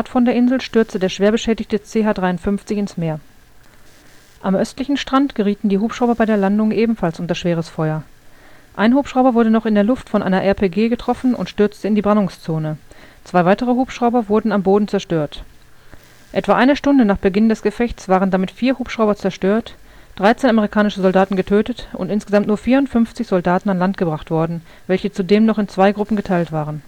von der Insel stürzte der schwer beschädigte CH-53 ins Meer. Am östlichen Stand gerieten die Hubschrauber bei der Landung ebenfalls unter schweres Feuer, ein Hubschrauber wurde noch in der Luft von einer RPG getroffen und stürzte in die Brandungszone, zwei weitere Hubschrauber wurden am Boden zerstört. Etwa eine Stunde nach Beginn des Gefechts waren damit vier Hubschrauber zerstört, 13 amerikanische Soldaten getötet und insgesamt nur 54 Soldaten an Land gebracht worden, welche zudem noch in zwei Gruppen geteilt waren